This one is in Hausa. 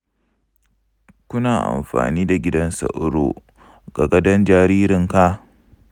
kana amfani da gidan sauro ga gadon jaririnka?